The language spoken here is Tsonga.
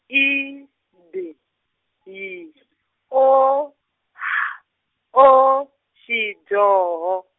I, D, Y , O, H, O, xidyoho.